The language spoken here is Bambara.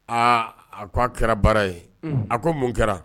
Aa a ko a kɛra baara ye, a ko mun kɛra?